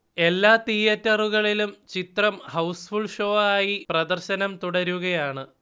എല്ലാ തീയറ്ററുകളിലും ചിത്രം ഹൌസ്ഫുൾ ഷോ ആയി പ്രദർശനം തുടരുകയാണ്